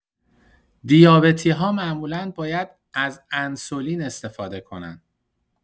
دیابتی‌ها معمولا باید از انسولین استفاده کنن.